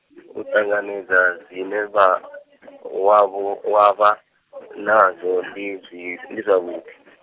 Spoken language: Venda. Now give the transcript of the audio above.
u ṱanganedza zwine vha, wavho wa vha, nazwo ndi zwi, ndi zwavhuḓi.